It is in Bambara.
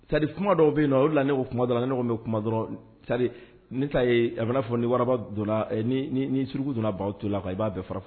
Ri kuma dɔw bɛ yen na o la ne ko kuma dɔrɔn la ne kɔni bɛ kuma dɔrɔn cari n ta ye a bɛ fɔ ni wararaba donna ni suruugu donna baw to la a i b'a fɛ fara